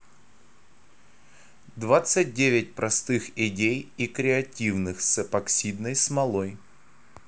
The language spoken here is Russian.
двадцать девять простых идей и креативных с эпоксидной смолой